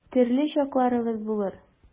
Төрле чакларыгыз булыр.